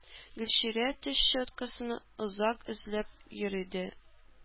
Гөлчирә теш щеткасын озак эзләп йөрде.